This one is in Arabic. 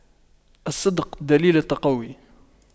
الصدق دليل التقوى